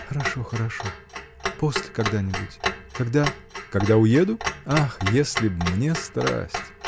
— Хорошо, хорошо — после когда-нибудь, когда. — Когда уеду? Ах, если б мне страсть!